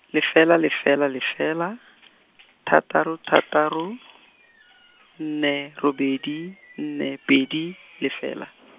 lefela lefela lefela , thataro thataro , nne robedi, nne pedi, lefela.